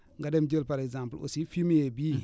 nga dem jël par exemple aussi fumier bii